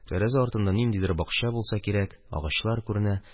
Тәрәзә артында ниндидер бакча булса кирәк, агачлар күренә.